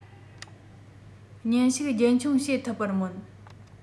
ཉིན ཞིག རྒྱུན འཁྱོངས བྱེད ཐུབ པར སྨོན